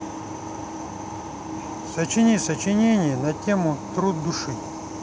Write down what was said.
сочинение сочинение на тему труд души